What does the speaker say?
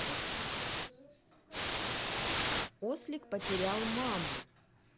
ослик потерял маму